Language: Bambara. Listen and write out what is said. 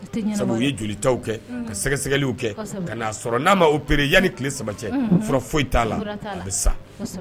O tɛ ɲɛnabɔ, sabu u ye jolitaw kɛ, unhun, ka sɛgɛsɛgɛliw kɛ, kosɛbɛ, ka n'a sɔrɔ n'a ma opérer yanni tile saba cɛ, unhun, fura foyi t'a la a bɛ sa